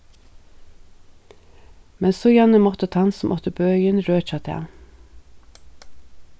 men síðani mátti tann sum átti bøin røkja tað